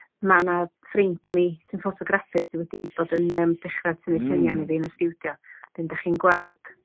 ma' 'na ffrind i mi sy'n ffotograffydd sy wedi bod yn yym dechra tynnu llunia' ona fi yn y stiwdio, 'edyn dach chi'n gweld